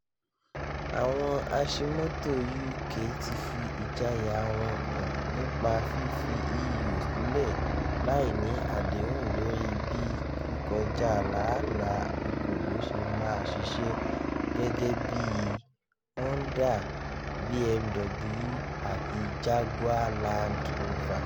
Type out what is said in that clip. Àwọn aṣemọ́tò UK tí fi ìjayà wọn hàn nípa fífi EU sílẹ̀ láìní àdéhùn lórí bí kíkọjá láàlà òkòwò ṣe máa ṣiṣẹ́, gẹ́gẹ́bí i Honda, BMW àti Jaguar Land Rover.